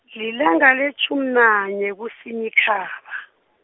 lilanga letjhumi nanye kuSinyikhaba.